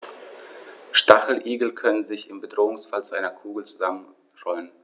Stacheligel können sich im Bedrohungsfall zu einer Kugel zusammenrollen.